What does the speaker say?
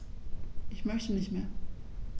Ich möchte nicht mehr.